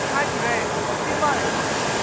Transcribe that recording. hai chủ đề xin mời